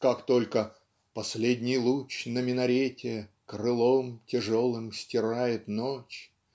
как только "последний луч на минарете крылом тяжелым стирает ночь"